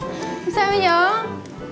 sao bây giờ